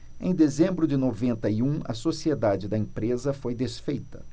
em dezembro de noventa e um a sociedade da empresa foi desfeita